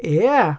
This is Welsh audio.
Ia.